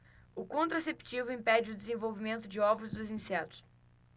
o contraceptivo impede o desenvolvimento de ovos dos insetos